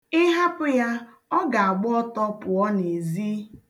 Ị hapụ ya, ọ ga-agba ọtọ pụọ n'ezi.